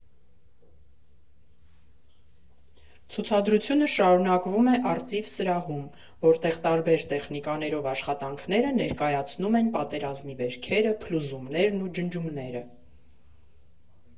Ցուցադրությունը շարունակվում է «Արծիվ» սրահում, որտեղ տարբեր տեխնիկաներով աշխատանքները ներկայացնում են պատերազմի վերքերը, փլուզումներն ու ջնջումները։